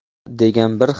xa degan bir